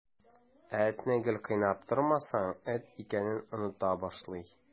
Ә этне гел кыйнап тормасаң, эт икәнен оныта башлый.